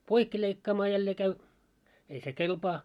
poikki leikkaamaan jälleen käy ei se kelpaa